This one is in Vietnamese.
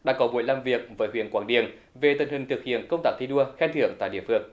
đã có buổi làm việc với huyện quảng điền về tình hình thực hiện công tác thi đua khen thưởng tại địa phương